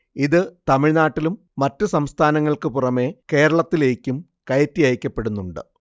ഇത് തമിഴ്നാട്ടിലെ മറ്റു സംസ്ഥാനങ്ങൾക്കു പുറമേ കേരളത്തിലേക്കും കയറ്റി അയക്കപ്പെടുന്നുണ്ട്